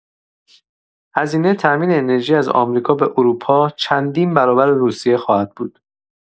هزینه تامین انرژی از آمریکا به اروپا چندین برابر روسیه خواهد بود.